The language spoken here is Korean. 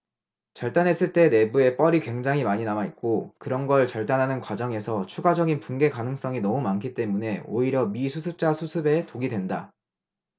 절단했을 때 내부에 뻘이 굉장히 많이 남아있고 그런 걸 절단하는 과정에서 추가적인 붕괴 가능성이 너무 많기 때문에 오히려 미수습자 수습에 독이 된다